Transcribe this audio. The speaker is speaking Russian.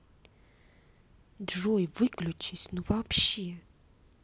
джой выключись ну вообще